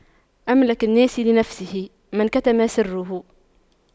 أملك الناس لنفسه من كتم سره